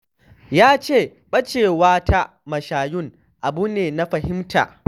Ya ce ɓacewa ta mashayun abu ne na fahimta.